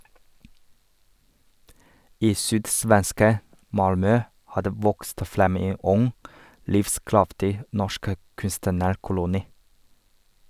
I sydsvenske Malmö har det vokst frem en ung, livskraftig norsk kunstnerkoloni.